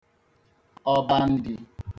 ọba ndi